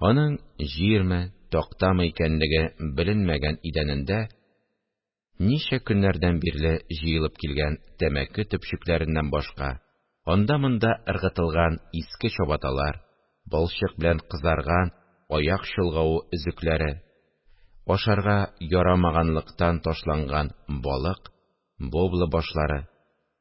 Аның җирме, тактамы икәнлеге беленмәгән идәнендә, ничә көннәрдән бирле җыелып килгән тәмәке төпчекләреннән башка, анда-монда ыргытылган иске чабаталар, балчык белән кызарган аяк чолгавы өзекләре, ашарга ярамаганлыктан ташланган балык (вобла) башлары,